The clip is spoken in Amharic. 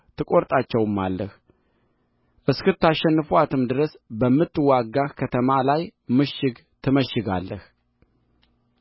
ትቈርጣቸውማለህ እስክታሸንፋትም ድረስ በምትዋጋህ ከተማ ላይ ምሽግ ትመሽጋለህ